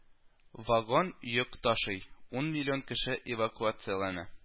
Вагон йөк ташый, ун миллион кеше эвакуацияләнә